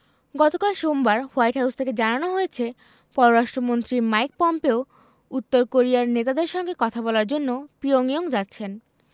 গতকাল সোমবার White House থেকে জানানো হয়েছে পররাষ্ট্রমন্ত্রী মাইক পম্পেও উত্তর কোরিয়ার নেতাদের সঙ্গে কথা বলার জন্য পিয়ংইয়ং যাচ্ছেন